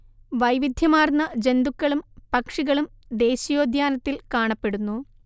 വൈവിധ്യമാർന്ന ജന്തുക്കളും പക്ഷികളും ദേശീയോദ്യാനത്തിൽ കാണപ്പെടുന്നു